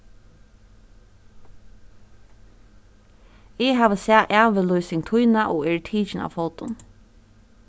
eg havi sæð ævilýsing tína og eri tikin av fótum